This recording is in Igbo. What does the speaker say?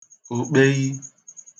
̀òkpeyi